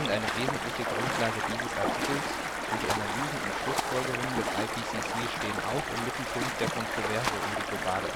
eine wesentliche Grundlage dieses Artikels, und die Analysen und Schlussfolgerungen des IPCC stehen auch im Mittelpunkt der Kontroverse um die globale